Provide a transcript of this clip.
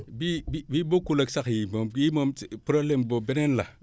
bii bii bokkul ak sax yi moom bii moom c' est problème boobu beneen la